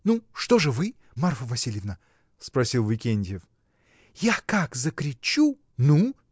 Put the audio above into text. — Ну, что же вы, Марфа Васильевна? — спросил Викентьев. — Как я закричу! — Ну?